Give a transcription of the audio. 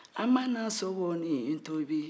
a mana sogonin tobi